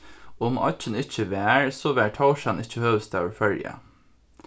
um oyggin ikki var so var tórshavn ikki høvuðsstaður føroya